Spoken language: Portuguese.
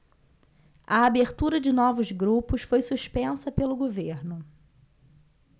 a abertura de novos grupos foi suspensa pelo governo